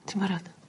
Ti'n barod?